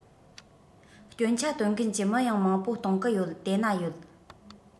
སྐྱོན ཆ སྟོན མཁན གྱི མི ཡང མང པོ གཏོང གི ཡོད དེ ན ཡོད